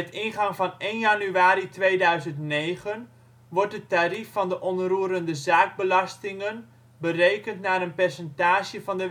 ingang van 1 januari 2009 wordt het tarief van de onroerendezaakbelastingen berekend naar een percentage van de